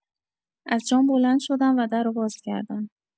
از جام بلند شدم و درو باز کردم.